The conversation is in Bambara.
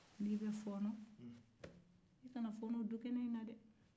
n'i bɛ fɔɔnɔ i kana fɔɔnɔ du kɛnɛ in na dɛɛ